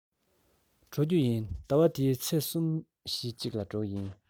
ད དུང སོང མེད ཟླ བ འདིའི ཚེས གསུམ བཞིའི གཅིག ལ འགྲོ གི ཡིན